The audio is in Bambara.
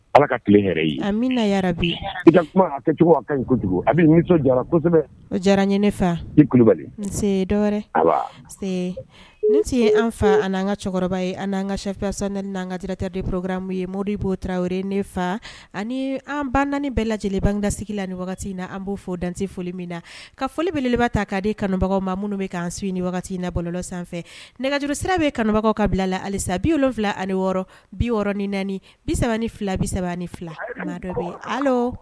Bi ne nin ye an fa ani an ka cɛkɔrɔba ye an anan ka shɛfasan n an kadita deoromu ye mori b'o tarawele nefa ani an banani bɛɛ lajɛ lajɛlen' an kasigi la ni wagati in na an b'o fo dante foli min na ka folibeleba ta k'a di kanubagaw ma minnu bɛ k an su ni la bɔlɔ sanfɛ nɛgɛjuru sira bɛ kanubagaw ka bila la halisa bi wolonwula ani wɔɔrɔ bi wɔɔrɔɔrɔn ni naani bi3 ni fila bi3 ni fila bɛ